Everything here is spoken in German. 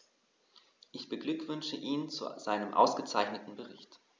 Ich beglückwünsche ihn zu seinem ausgezeichneten Bericht.